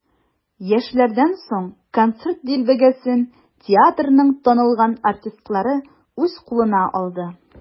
Яшьләрдән соң концерт дилбегәсен театрның танылган артистлары үз кулына алды.